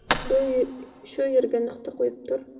shu yerga nuqta qo'yib tur